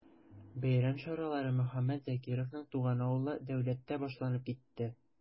Бәйрәм чаралары Мөхәммәт Закировның туган авылы Дәүләттә башланып китте.